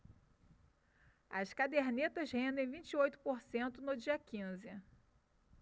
as cadernetas rendem vinte e oito por cento no dia quinze